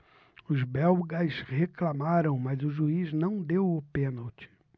os belgas reclamaram mas o juiz não deu o pênalti